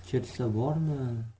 valini chertsa bormi